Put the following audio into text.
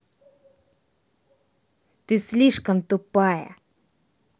ты слишком тупая